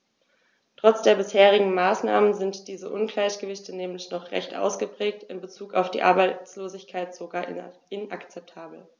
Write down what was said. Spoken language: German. Trotz der bisherigen Maßnahmen sind diese Ungleichgewichte nämlich noch recht ausgeprägt, in bezug auf die Arbeitslosigkeit sogar inakzeptabel.